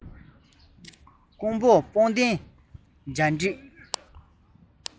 ཀོང མོ པང གདན འཇའ འགྲིག